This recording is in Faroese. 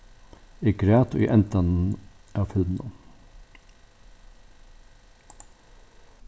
eg græt í endanum av filminum